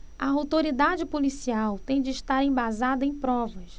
a autoridade policial tem de estar embasada em provas